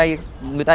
đây người ta